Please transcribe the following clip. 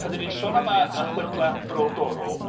Pan dan ni'n sôn am y- y Chwedlau Brodorol